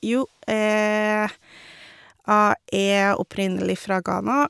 Jo, jeg er opprinnelig fra Ghana.